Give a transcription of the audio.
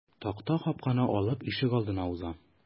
Такта капканы ачып ишегалдына узам.